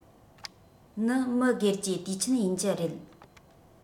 ནི མི སྒེར གྱི དུས ཆེན ཡིན གྱི རེད